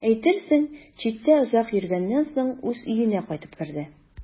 Әйтерсең, читтә озак йөргәннән соң үз өенә кайтып керде.